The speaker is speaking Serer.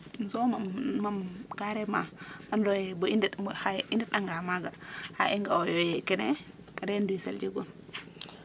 so mam mam carrement ando naye bo i ndet xay i ndet anga maga xa i nga oyo ye kene reine du sel njegun